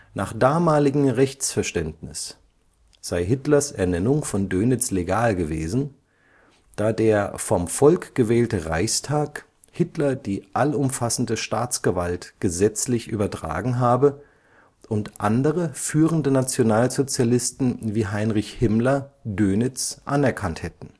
Nach damaligem Rechtsverständnis “sei Hitlers Ernennung von Dönitz legal gewesen, da der vom Volk gewählte Reichstag Hitler die allumfassende Staatsgewalt gesetzlich übertragen habe und andere führende Nationalsozialisten wie Heinrich Himmler Dönitz anerkannt hätten